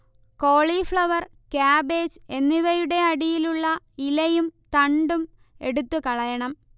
cauliflower, cabbage എന്നിവയുടെ അടിയിലുള്ള ഇലയും തണ്ടും എടുത്തുകളയണം